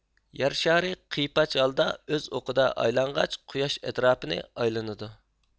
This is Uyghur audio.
يەر شارى قىيپاچ ھالدا ئۆز ئوقىدا ئايلانغاچ قوياش ئەتراپىنى ئايلىنىدۇ